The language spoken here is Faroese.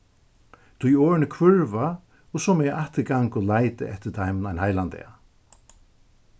tí orðini hvørva og so má eg aftur ganga og leita eftir teimum ein heilan dag